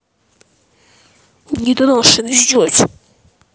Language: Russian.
недоношенный зять